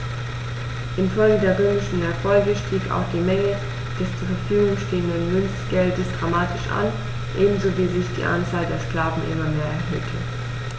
Infolge der römischen Erfolge stieg auch die Menge des zur Verfügung stehenden Münzgeldes dramatisch an, ebenso wie sich die Anzahl der Sklaven immer mehr erhöhte.